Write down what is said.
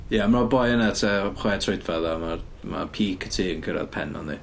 Ia, ma boi yna tua chwe troedfedd a ma'r ma peak y tŷ yn cyrraedd tua pen o yndi?